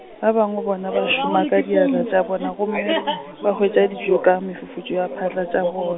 ba bangwe bona ba šoma ka diatla tša bona gomme, ba hwetša dijo ka mefufutšo ya phatla tša bon-.